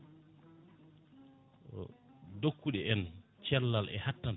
dokku en cellal e hattan